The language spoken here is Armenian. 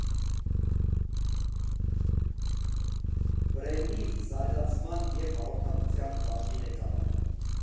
Բրենդի զարգացման և հաղորդակցության բաժնի ղեկավար։